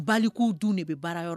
Baliw dun de bɛ baara yɔrɔ